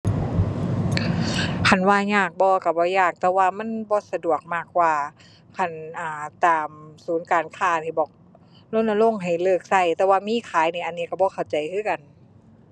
ดีอยู่นะ มีคนเปิดประตูให้พร้อม